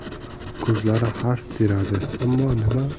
ko'zlar harf teradi ammo